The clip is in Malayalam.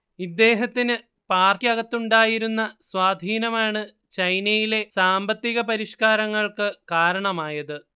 ഇദ്ദേഹത്തിന് പാർട്ടി അകത്തുണ്ടായിരുന്ന സ്വാധീനമാണ് ചൈനയിലെ സാമ്പത്തിക പരിഷ്കാരങ്ങൾക്ക് കാരണമായത്